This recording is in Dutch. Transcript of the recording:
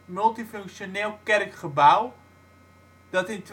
multifunctioneel kerkgebouw dat in